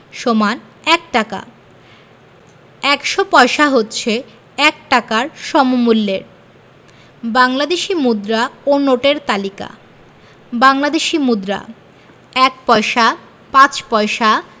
= ১ টাকা ১০০ পয়সা হচ্ছে ১ টাকার সমমূল্যের বাংলাদেশি মুদ্রা ও নোটের তালিকাঃ বাংলাদেশি মুদ্রাঃ ১ পয়সা ৫ পয়সা